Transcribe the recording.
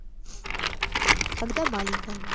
когда маленькая